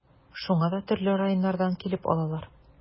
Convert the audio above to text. Шуңа да төрле районнардан килеп алалар.